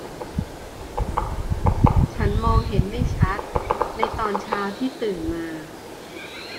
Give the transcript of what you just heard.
ฉันมองเห็นไม่ชัดในตอนเช้าที่ตื่นมา